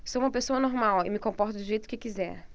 sou homossexual e me comporto do jeito que quiser